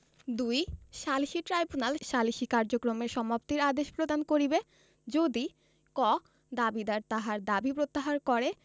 ২ সালিসী ট্রাইব্যুনাল সালিসী কার্যক্রমের সমাপ্তির আদেশ প্রদান করিবে যদি ক দাবীদার তাহার দাবী প্রত্যাহার করে